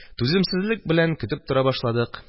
Түземсезлек белән көтеп тора башладык